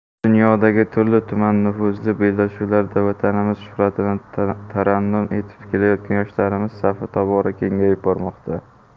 dunyodagi turli tuman nufuzli bellashuvlarda vatanimiz shuhratini tarannum etib kelayotgan yoshlarimiz safi tobora kengayib bormoqda